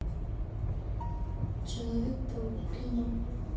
человек паук кино